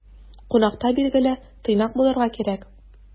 Кунакта, билгеле, тыйнак булырга кирәк.